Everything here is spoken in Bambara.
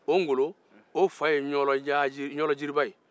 o ngolo o fa ye ɲɔlɔ jaaje ɲɔlɔ jeliba ye